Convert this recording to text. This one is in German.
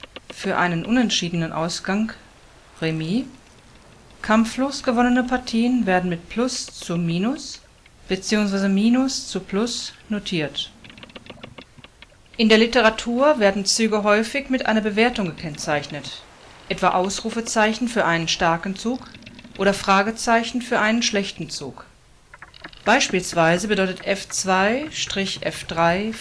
für einen unentschiedenen Ausgang (Remis). Kampflos gewonnene Partien werden mit +:− bzw. −:+ notiert. In der Literatur werden Züge häufig mit einer Bewertung gekennzeichnet, etwa "!" für einen starken Zug oder "?" für einen schlechten Zug. Beispielsweise bedeutet " f2-f3